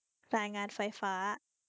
รายงานไฟฟ้า